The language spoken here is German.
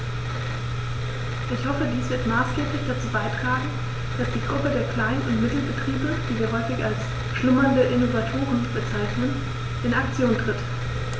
Ich hoffe, dies wird maßgeblich dazu beitragen, dass die Gruppe der Klein- und Mittelbetriebe, die wir häufig als "schlummernde Innovatoren" bezeichnen, in Aktion tritt.